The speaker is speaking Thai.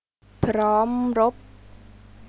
พร้อมรบ